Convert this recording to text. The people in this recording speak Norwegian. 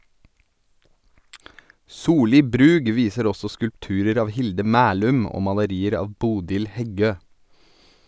Soli Brug viser også skulpturer av Hilde Mæhlum og malerier av Bodil Heggø.